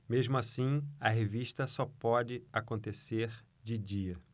mesmo assim a revista só pode acontecer de dia